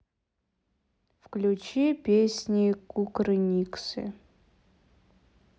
включи песни кукрыниксы